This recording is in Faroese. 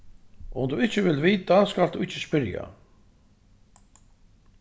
um tú ikki vilt vita skalt tú ikki spyrja